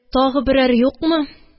– тагы берәр юкмы?